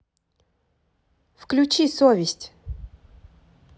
включи совесть